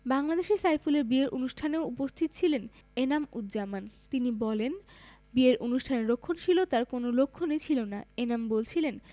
বাংলাদেশে সাইফুলের বিয়ের অনুষ্ঠানেও উপস্থিত ছিলেন এনাম উজজামান তিনি বলেন বিয়ের অনুষ্ঠানে রক্ষণশীলতার কোনো লক্ষণই ছিল না এনাম বলছিলেন